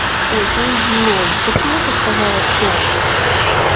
ой то есть злой почему ты сказала стоп